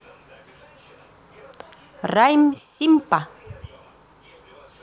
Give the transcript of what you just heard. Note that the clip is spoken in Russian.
райм симпа